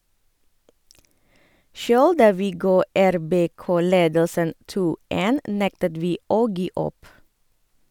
- Sjøl da vi ga RBK ledelsen 2-1, nektet vi å gi opp.